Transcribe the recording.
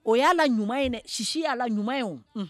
O y yalala ɲuman in sisi y'ala ɲuman ye